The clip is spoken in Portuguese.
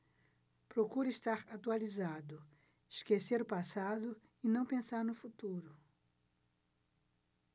procuro estar atualizado esquecer o passado e não pensar no futuro